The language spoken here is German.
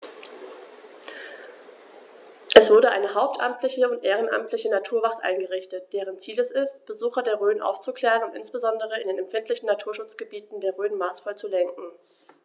Es wurde eine hauptamtliche und ehrenamtliche Naturwacht eingerichtet, deren Ziel es ist, Besucher der Rhön aufzuklären und insbesondere in den empfindlichen Naturschutzgebieten der Rhön maßvoll zu lenken.